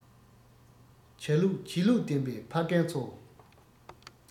བྱ ལུགས བྱེད ལུགས ལྡན པའི ཕ རྒན ཚོ